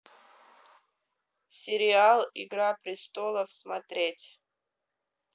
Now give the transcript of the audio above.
сериал игра престолов смотреть